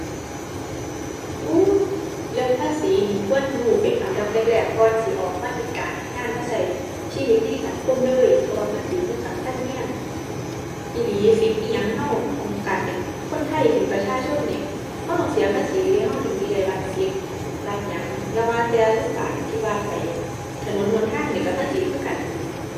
อู้ เรื่องภาษีนี่ควรรู้เป็นอันดับแรกแรกก่อนสิออกมาเฮ็ดการเฮ็ดงาน มาใช้ชีวิตในสังคมเลย เพราะว่าภาษีมันสำคัญใช้ อีหลี สิทธิ์อิหยังใช้ของการเป็นคนไทย เป็นประชาชนนี่ ใช้ต้องเสียภาษีเดะ ใช้ถึงสิได้รับสิทธิ์รับหยัง อย่าว่าแต่โรงบาล อั่น ที่ว่าไป ถนนหนทางนี่ใช้ภาษีคือกัน